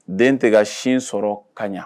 Den tɛ sin sɔrɔ kaɲa